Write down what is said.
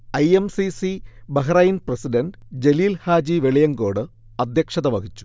I. M. C. C. Bahrain president Jaleel Haji Veliyankode അദ്ധ്യക്ഷത വഹിച്ചു